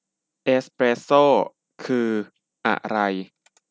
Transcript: เอสเปสโซ่คืออะไร